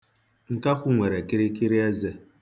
Nkakwụ nwere kịrịkịrị eze.